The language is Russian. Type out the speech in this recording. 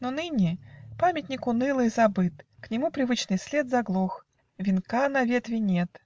Но ныне. памятник унылый Забыт. К нему привычный след Заглох. Венка на ветви нет